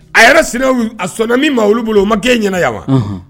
A yɛrɛ sen a sɔnna min maa olu bolo o ma gɛn ɲɛna yan wa